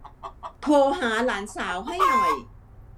โทรหาหลานสาวให้หน่อย